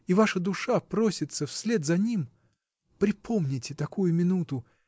и ваша душа просится вслед за ним. Припомните такую минуту.